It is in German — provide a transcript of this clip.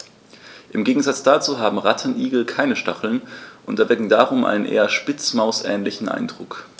Im Gegensatz dazu haben Rattenigel keine Stacheln und erwecken darum einen eher Spitzmaus-ähnlichen Eindruck.